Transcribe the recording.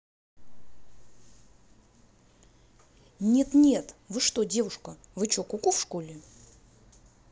нет нет вы что девушка вы че куку в школе